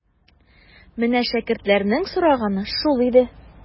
Менә шәкертләрнең сораганы шул иде.